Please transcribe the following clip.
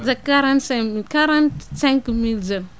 de quarante cinq mille quarante cinq mille jeunes